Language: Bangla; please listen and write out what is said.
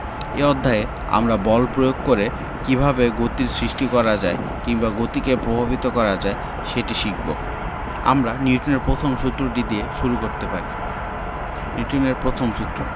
এই অধ্যায়ে আমরা বল প্রয়োগ করে কীভাবে গতির সৃষ্টি করা যায় কিংবা গতিকে প্রভাবিত করা যায় সেটি শিখব আমরা নিউটনের প্রথম সূত্রটি দিয়ে শুরু করতে পারি নিউটনের প্রথম সূত্র